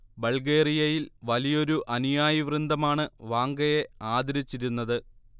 ബൾഗേറിയയിൽ വലിയൊരു അനുയായി വൃന്ദമാണ് വാംഗയെ ആദരിച്ചിരുന്നത്